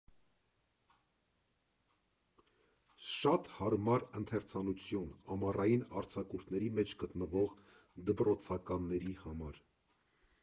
Շատ հարմար ընթերցանություն՝ ամառային արձակուրդների մեջ գտնվող դպրոցականների համար։